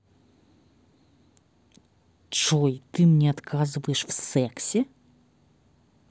джой ты мне отказываешь в сексе